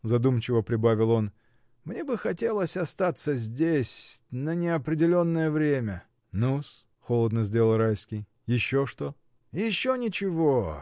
— задумчиво прибавил он, — мне бы хотелось остаться здесь. на неопределенное время. — Ну-с? — холодно сделал Райский. — Еще что? — Еще ничего.